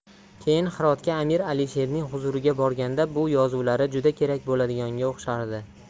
keyin hirotga amir alisherning huzuriga borganda bu yozuvlari juda kerak bo'ladiganga o'xshardi